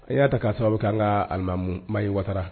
A y'a ta k'a sababu bɛ kan an ka alimamu maa ye wara